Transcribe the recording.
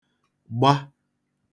gba[igwè]